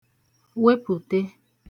wepùte